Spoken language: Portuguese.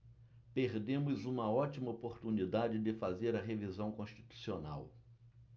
perdemos uma ótima oportunidade de fazer a revisão constitucional